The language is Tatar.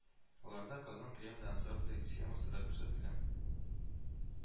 Аларда Казан Кремле ансамбле схемасы да күрсәтелгән